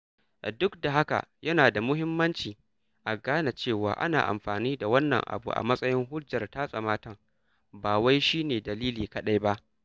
Duk da haka, yana da muhimmanci a gane cewa ana amfani da wannan abu a matsayin hujjar tatse matan, ba wai shi ne dalili kaɗai ba.